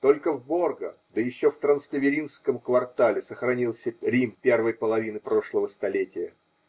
Только в Борго, да еще в Транстеверинском квартале, сохранился Рим первой половины прошлого столетия.